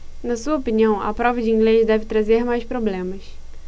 na sua opinião a prova de inglês deve trazer mais problemas